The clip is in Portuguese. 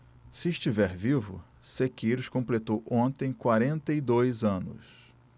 se estiver vivo sequeiros completou ontem quarenta e dois anos